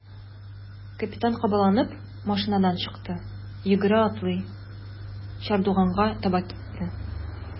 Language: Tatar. Капитан кабаланып машинадан чыкты, йөгерә-атлый чардуганга таба китте.